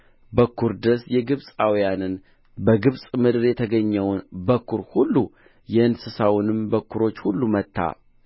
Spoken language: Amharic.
በኵር ድረስ የግብፃውያንን በግብፅ ምድር የተገኘውን በኵር ሁሉ የእንስሳውንም በኵሮች ሁሉ መታ